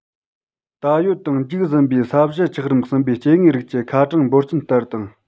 ད ཡོད དང འཇིག ཟིན པའི ས གཞི ཆགས རིམ གསུམ པའི སྐྱེ དངོས རིགས ཀྱི ཁ གྲངས འབོར ཆེན ལྟར དང